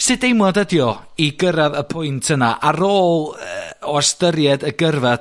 Sud deimlad ydi o, i gyrradd y pwynt yna ar ôl, yy o ystyried y gyrfa